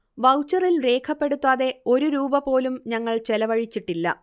വൗച്ചറിൽ രേഖപ്പെടുത്താതെ ഒരു രൂപ പോലും ഞങ്ങൾ ചെലവഴിച്ചിട്ടില്ല